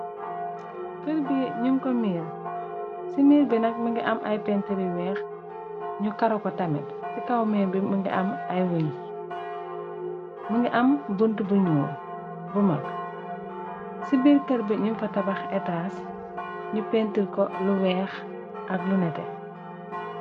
Keur bi ñyun ko miir ci miir bi nak mongi am ay painturr yu weex ñu karo tamit ci kaw miir bi mongi am ay wuñ mongi am bunta bu nuul bu mag ci biir keur bi ñyun fa tabax etas nyu painturr ko lu weex ak lu nete.